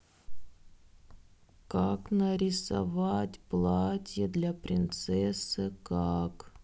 как нарисовать платье для принцессы как